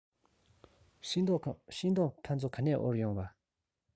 ཤིང ཏོག ཕ ཚོ ག ནས དབོར ཡོང བ རེད